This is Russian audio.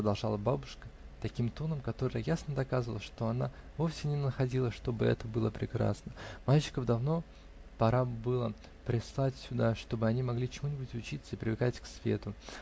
-- продолжала бабушка таким тоном, который ясно доказывал, что она вовсе не находила, чтобы это было прекрасно, -- мальчиков давно пора было прислать сюда, чтобы они могли чему-нибудь учиться и привыкать к свету